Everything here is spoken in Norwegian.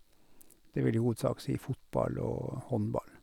Det vil i hovedsak si fotball og håndball.